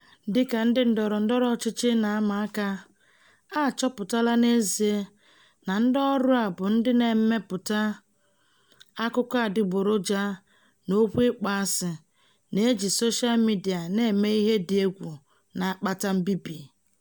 Dị ka ndị ndọrọ ndọrọ ọchịchị na-ama aka, a chọpụtaala n'ezie na ndị ọrụ a bụ ndị na-emepụta akụkọ adịgboroja na okwu ịkpọasị, na-eji soshaa midịa na-eme ihe dị egwu na-akpata mbibi.